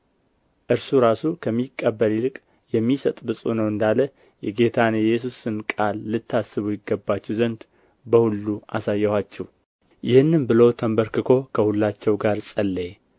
እርሱ ራሱ ከሚቀበል ይልቅ የሚሰጥ ብፁዕ ነው እንዳለ የጌታን የኢየሱስን ቃል ልታስቡ ይገባችሁ ዘንድ በሁሉ አሳየኋችሁ ይህንም ብሎ ተንበርክኮ ከሁላቸው ጋር ጸለየ